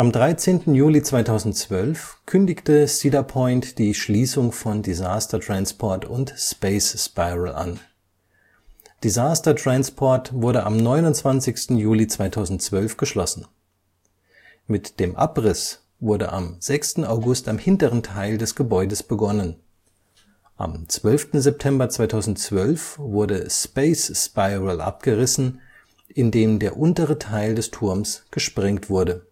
13. Juli 2012 kündigte Cedar Point die Schließung von Disaster Transport und Space Spiral an. Disaster Transport wurde am 29. Juli 2012 geschlossen. Mit dem Abriss wurde am 6. August am hinteren Teil des Gebäudes begonnen. Am 12. September 2012 wurde Space Spiral abgerissen, indem der untere Teil des Turms gesprengt wurde